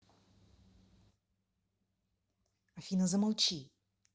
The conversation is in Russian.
афина замолчи